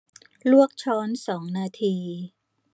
ลวกช้อนสองนาที